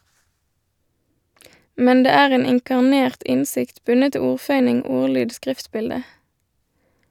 Men det er en inkarnert innsikt, bundet til ordføyning, ordlyd, skriftbilde.